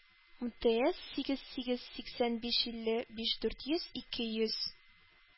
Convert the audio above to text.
Мтыэс сигез сигез сиксән биш илле биш дүрт йөз ике йөз